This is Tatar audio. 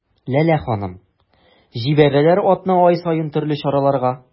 Ләлә ханым: җибәрәләр атна-ай саен төрле чараларга.